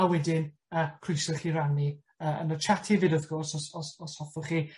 A wedyn yy croeso i chi rannu yy yn y chat hefyd wrth gwrs os os os hoffwch chi.